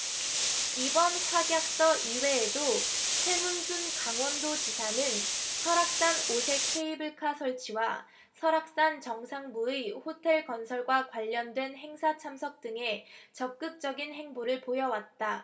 이번 확약서 이외에도 최문순 강원도지사는 설악산 오색케이블카 설치와 설악산 정상부의 호텔 건설과 관련된 행사 참석 등에 적극적인 행보를 보여왔다